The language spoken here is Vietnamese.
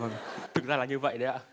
vâng thực ra là như vậy đấy ạ